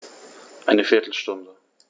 Eine viertel Stunde